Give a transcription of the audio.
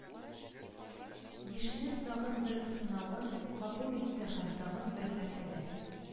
Ешнең тагын бер сынавын кабул итте һәм тагын бер мәртәбә